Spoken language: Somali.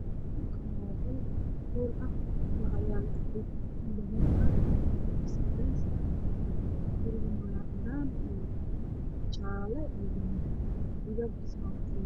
Kani waa qol hool ah waxaa yaalo fadhi dahabi ah miis cadeys ah, guriga waa cadaan, jaale iyo dahabi, albaabkuna waa kafay.